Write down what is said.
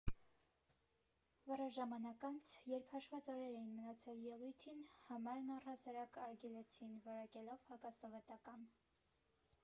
Որոշ ժամանակ անց, երբ հաշված օրեր էին մնացել ելույթին, համարն առհասարակ արգելեցին՝ որակելով հակասովետական։